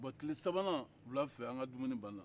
bon tile sabanan wula fɛ an ka dumuni banna